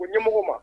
O ɲɛmɔgɔ ma